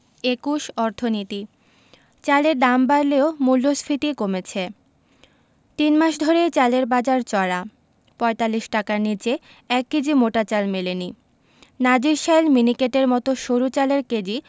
২১ অর্থনীতি চালের দাম বাড়লেও মূল্যস্ফীতি কমেছে তিন মাস ধরেই চালের বাজার চড়া ৪৫ টাকার নিচে ১ কেজি মোটা চাল মেলেনি নাজিরশাইল মিনিকেটের মতো সরু চালের কেজি